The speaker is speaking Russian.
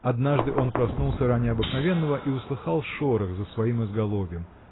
Однажды он проснулся ранее обыкновенного и услыхал шорох за своим изголовьем.